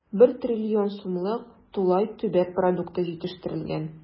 1 трлн сумлык тулай төбәк продукты җитештерелгән.